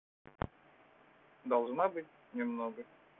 должна быть немного